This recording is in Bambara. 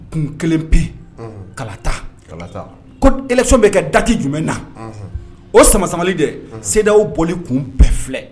Kun kelen pe kalata ko esɔn bɛ kɛ daki jumɛn na o sama sabali de sedaw boli kun bɛɛ filɛ